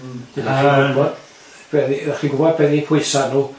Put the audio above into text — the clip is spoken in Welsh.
Yym o'dda chi'n gwbod be o'dd i pwysa n'w